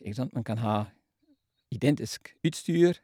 Ikke sant, man kan ha identisk utstyr.